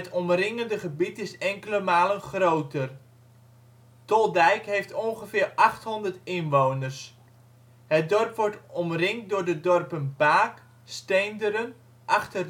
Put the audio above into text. omringende gebied is enkele malen groter. Toldijk heeft ongeveer 800 inwoners. Het dorp wordt omringd door de dorpen Baak, Steenderen, Achter-Drempt